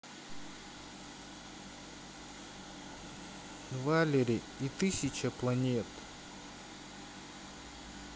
валери и тысяча планет